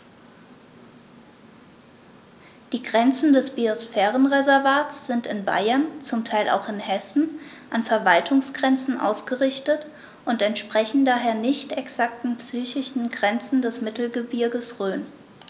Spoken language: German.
Die Grenzen des Biosphärenreservates sind in Bayern, zum Teil auch in Hessen, an Verwaltungsgrenzen ausgerichtet und entsprechen daher nicht exakten physischen Grenzen des Mittelgebirges Rhön.